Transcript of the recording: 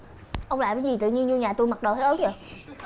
ông làm cái gì tự nhiên dô nhà tôi mặc đồ thấy ớn vậy